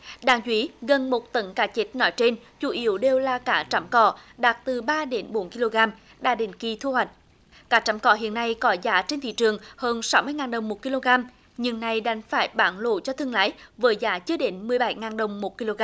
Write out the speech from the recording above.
đáng chú ý gần một tấn cá chết nói trên chủ yếu đều là cá trắm cỏ đạt từ ba đến bốn ki lô gam đã đến kỳ thu hoạch cá trắm cỏ hiện nay có giá trên thị trường hơn sáu mươi ngàn đồng một ki lô gam nhưng nay đành phải bán lỗ cho thương lái với giá chưa đến mười bảy ngàn đồng một ki lô